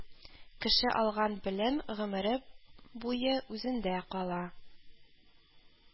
Кеше алган белем гомере буе үзендә кала